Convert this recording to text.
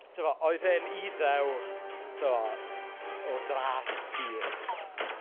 Tibod, oedd e'n Iddew tibod o dras pur tibod.